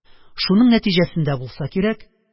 Шуның нәтиҗәсендә булса кирәк,